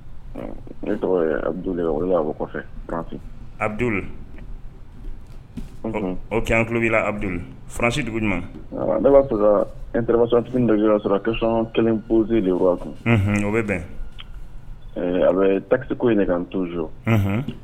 Ne tɔgɔbudu kɔfɛdu ke tulolo abudusi dugu ne b'a sɔrɔ n teritigi dɔa sɔrɔsɔn kelen pte de' kun bɛ bɛn a bɛ takisiko ɲini ka n to so